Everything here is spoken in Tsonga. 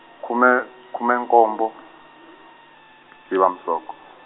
khume khume nkombo, Dzivamisoko.